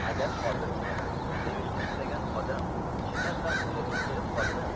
agar hozir men sevishni istagan odam chindan ham bu yerga kelib qolsa